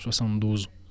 72